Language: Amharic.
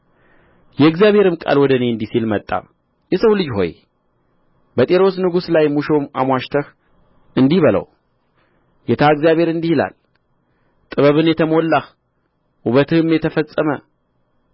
የእግዚአብሔርም ቃል ወደ እኔ እንዲህ ሲል መጣ የሰው ልጅ ሆይ በጢሮስ ንጉሥ ላይ ሙሾ አሞሽተህ እንዲህ በለው ጌታ እግዚአብሔር እንዲህ ይላል ጥበብን የተሞላህ ውበትህም የተፈጸመ